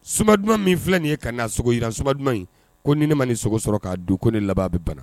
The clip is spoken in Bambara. Sumadumanuma min fila nin ye ka na, sogo yiran suma duman in koni, ni ne ma nin sogo in sɔrɔ k'a dun ko ne laban bɛ bana.